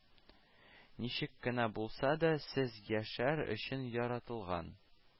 Ничек кенә булса да, сез яшәр өчен яратылган